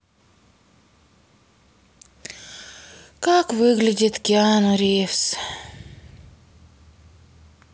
как выглядит киану ривз